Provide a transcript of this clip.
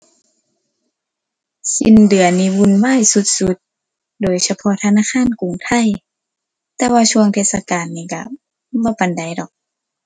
สิ้นเดือนนี่วุ่นวายสุดสุด โดยเฉพาะธนาคารกรุงไทย แต่ว่าช่วงเทศกาลนี่ก็บ่ปานใดดอก